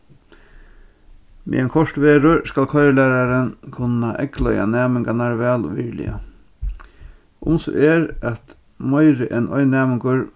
meðan koyrt verður skal koyrilæraran kunna eygleiða næmingarnar væl og virðiliga um so er at meiri enn ein næmingur